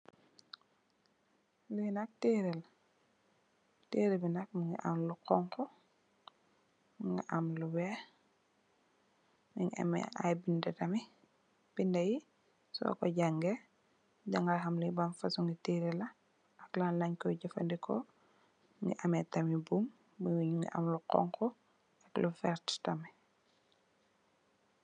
Li nak terehla tereh bi nak munfi am lu xonxu mungi am lu weex mungi ameh ay bindeu tamit soko jange dangiii ham li ban fosomi terehla ak lanlenj koy jerandeko mungi ameh tamit boom boom mungi ameh lu xonxu lu vert tamit